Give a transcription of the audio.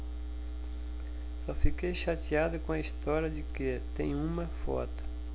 só fiquei chateada com a história de que tem uma foto